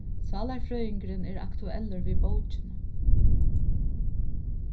sálarfrøðingurin er aktuellur við bókini